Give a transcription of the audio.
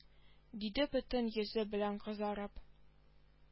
Диде бөтен йөзе белән кызарып